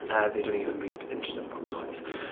Yy, they don't even read interesting books chwaith.